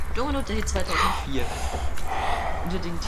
Domino Day 2004 Unter dem Thema